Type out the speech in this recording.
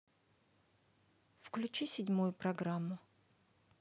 включи седьмую программу